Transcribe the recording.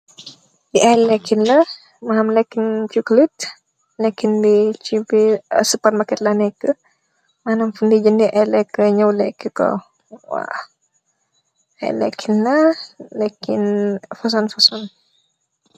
Li ay laken la manam leken chocolate leken bi si nirr supermarket la neka manam fung deh jendeh ay leka nyu leka ko waw aii leken la leken fosoong fosoong.